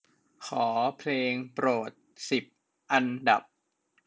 ขอเพลงโปรดสิบอันดับ